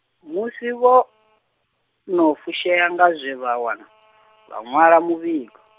musi vho , no fushea nga zwe vha wana, vha ṅwala muvhigo.